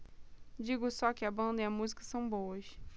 digo só que a banda e a música são boas